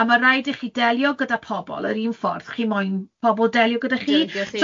A mae'n rhaid i chi delio gyda pobl yr un ffordd, chi moyn pobl delio gyda chi. Delio gyda chi, ie.